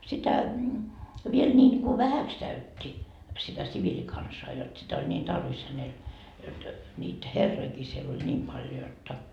sitä vielä niin kuin vähäksi käytti sitä siviilikansaa jotta sitä oli niin tarvis hänellä jotta niitä herrojakin siellä oli niin paljon jotta